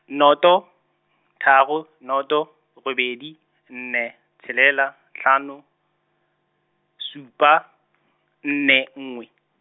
nnoto, tharo, nnoto, robedi, nne, tshelela, tlhano, supa, nne nngwe.